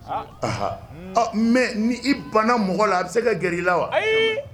Mɛ ni i banna mɔgɔ la a bɛ se ka g i la wa